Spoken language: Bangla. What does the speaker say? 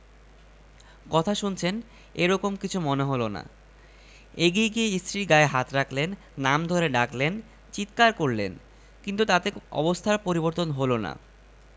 কথা শুনছেন এ রকম কিছু মনে হলো না এগিয়ে গিয়ে স্ত্রীর গায়ে হাত রাখলেন নাম ধরে ডাকলেন চিৎকার করলেন কিন্তু তাতে অবস্থার পরিবর্তন হলো না